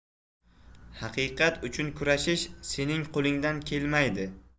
haqiqat uchun kurashish sening qo'lingdan kelmaydi